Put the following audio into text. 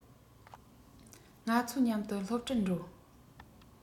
ང ཚོ མཉམ དུ སློབ གྲྭར འགྲོ